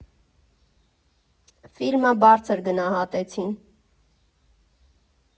Ֆիլմը բարձր գնահատեցին։